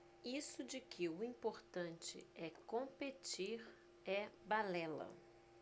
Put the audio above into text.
isso de que o importante é competir é balela